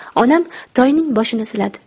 onam toyning boshini siladi